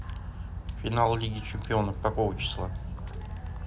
финал лиги чемпионов какого числа